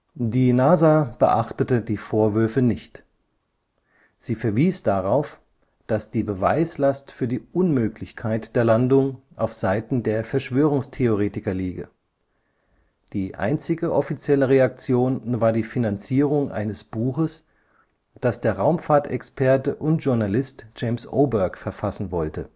Die NASA beachtete die Vorwürfe nicht. Sie verwies darauf, dass die Beweislast (Onus probandi) für die Unmöglichkeit der Landung auf Seiten der Verschwörungstheoretiker liege. Die einzige offizielle Reaktion war die Finanzierung eines Buches, das der Raumfahrtexperte und Journalist James Oberg verfassen wollte